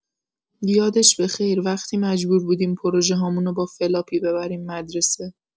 یادش بخیر، وقتی مجبور بودیم پروژه‌هامونو با فلاپی ببریم مدرسه!